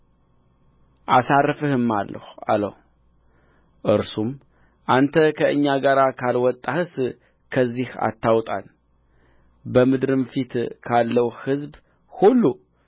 አሳርፍህማለሁ አለው እርሱም አንተ ከእኛ ጋር ካልወጣህስ ከዚህ አታውጣን በምድርም ፊት ካለው ሕዝብ ሁሉ